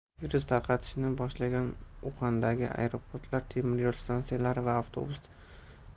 virus tarqalishni boshlagan uxandagi aeroportlar temiryo'l stantsiyalari